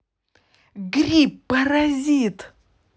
гриб паразит